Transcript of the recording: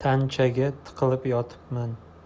tanchaga tiqilib yotibman